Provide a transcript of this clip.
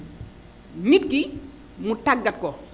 nit ki mu tàggat ko